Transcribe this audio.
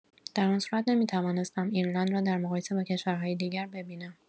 در آن صورت نمی‌توانستم ایرلند را در مقایسه با کشورهای دیگر ببینم.